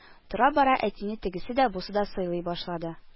Тора-бара әтине тегесе дә, бусы да сыйлый башлады